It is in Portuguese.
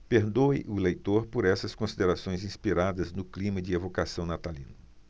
perdoe o leitor por essas considerações inspiradas no clima de evocação natalino